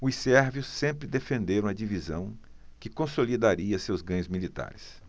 os sérvios sempre defenderam a divisão que consolidaria seus ganhos militares